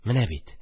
Менә бит